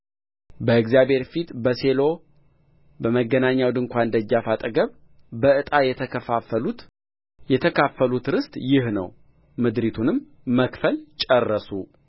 በእግዚአብሔር ፊት በሴሎ በመገናኛው ድንኳን ደጃፍ አጠገብ በዕጣ የተካፈሉት ርስት ይህ ነው ምድሪቱንም መካፈል ጨረሱ